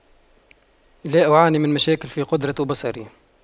لا أعاني من مشاكل في قدرة بصري